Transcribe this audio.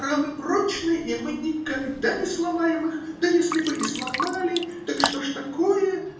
Рамы прочны, и мы никогда не сломаем их, да если бы и сломали, так что ж такое?